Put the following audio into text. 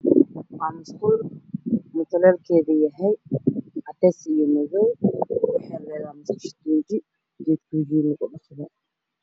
Waa musqul khaladkeedu yahay cadaanka waa cadaan darbigu cadaan